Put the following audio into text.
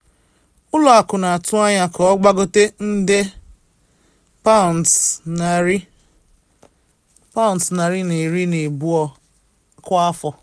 Ụlọ Akụ na atụ anya ka ọ gbagote nde £120 kwa afọ.